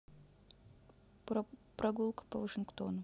прогулка по вашингтону